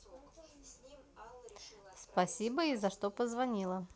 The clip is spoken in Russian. спасибо и за что позвонила